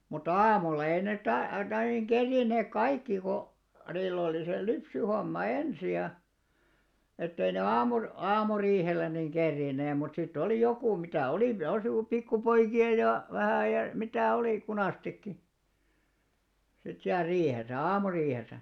mutta aamulla ei ne - tai niin kerinneet kaikki kun niillä oli se lypsyhomma ensin ja että ei ne - aamuriihelle niin kerinneet mutta sitten oli joku mitä oli - jos oli pikkupoikia ja vähän ja mitä oli kunastikin sitten siellä riihessä aamuriihessä